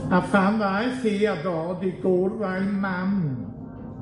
a pan ddaeth hi a Ddodd i gwrdd â'i mam